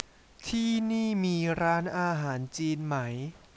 ที่นี่มีร้านอาหารจีนไหม